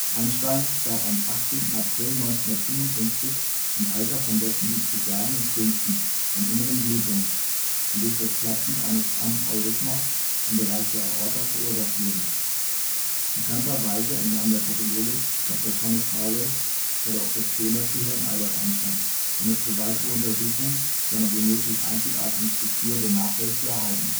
Einstein starb am 18. April 1955 im Alter von 76 Jahren in Princeton an inneren Blutungen, die durch das Platzen eines Aneurysmas im Bereich der Aorta verursacht wurden. Pikanterweise entnahm der Pathologe Dr. Thomas Harvey bei der Obduktion das Gehirn Albert Einsteins, um es für weitere Untersuchungen seiner womöglich einzigartigen Struktur der Nachwelt zu erhalten